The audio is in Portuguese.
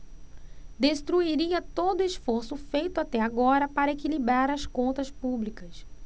destruiria todo esforço feito até agora para equilibrar as contas públicas